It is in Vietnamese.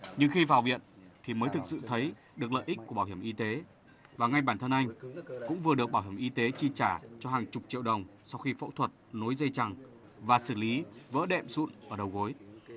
nhưng khi vào viện thì mới thực sự thấy được lợi ích của bảo hiểm y tế và ngay bản thân anh cũng vừa được bảo hiểm y tế chi trả cho hàng chục triệu đồng sau khi phẫu thuật nối dây chằng và xử lý vỡ đệm sụn ở đầu gối